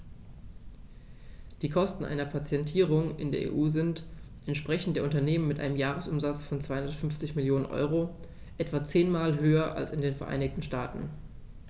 Die Kosten einer Patentierung in der EU sind, entsprechend der Unternehmen mit einem Jahresumsatz von 250 Mio. EUR, etwa zehnmal höher als in den Vereinigten Staaten.